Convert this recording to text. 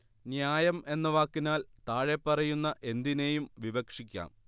ന്യായം എന്ന വാക്കിനാൽ താഴെപ്പറയുന്ന എന്തിനേയും വിവക്ഷിക്കാം